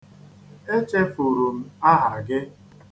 Echefuru m aha gị.